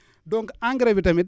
donc engrais bi tamit